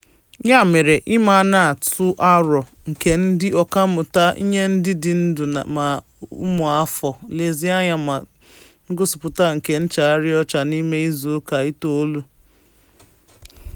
Ya mere, IMA na-atụ aro ka ndị ọkàmmụta ihe ndị dị ndụ ma ụmụafọ lezie anya maka ngosipụta nke nchaghari ọcha n'ime izuụka itoolu ruo iri na abụọ na-esonu.